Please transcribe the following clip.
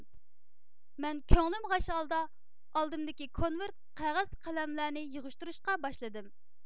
مەن كۆڭلۈم غەش ھالدا ئالدىمدىكى كونۋىرىت قەغەز قەلەملەرنى يىغىشتۇرۇشقا باشلىدىم